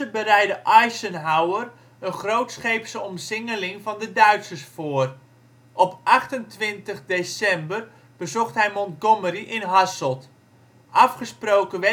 bereidde Eisenhower een grootscheepse omsingeling van de Duitsers voor. Op 28 december bezocht hij Montgomery in Hasselt. Afgesproken